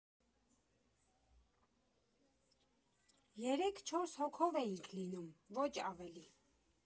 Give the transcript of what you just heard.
Երեք֊չորս հոգով էինք լինում, ոչ ավելի։